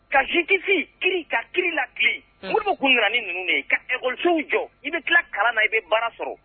Ka justice kiiri ka kiiri latilen Modibo tun nana ni ninnu de ye ka école sow jɔ i bɛ tila kalan na i bɛ baara sɔrɔ